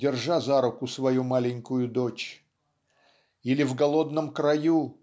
держа за руку свою маленькую дочь. Или в голодном краю